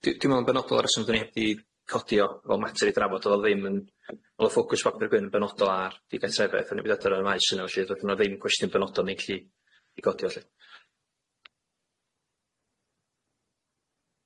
Di- dwi me'wl yn benodol o reswm dyn ni hebdi codi o fel mater i drafod o'dd o ddim yn o'dd y ffocws bapur gwyn yn benodol ar digatrefedd ar y maes yna felly do'dd yna ddim cwestiwn benodol ni'n gallu i godi o lly.